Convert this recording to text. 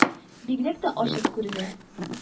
Бигрәк тә ачык күренә